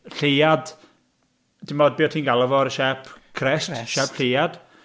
Lleuad. Timod be o't ti'n galw fo'r siap crest? Siap Lleuad.